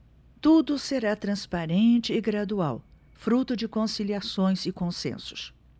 tudo será transparente e gradual fruto de conciliações e consensos